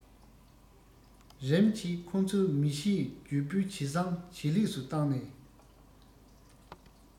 རིམ གྱིས ཁོ ཚོའི མི གཞིའི རྒྱུ སྤུས ཇེ བཟང ཇེ ལེགས སུ བཏང ནས